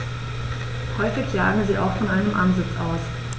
Häufig jagen sie auch von einem Ansitz aus.